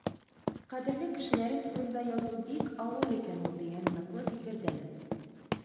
Кадерле кешеләрең турында язу бик авыр ул дигән ныклы фикердәмен.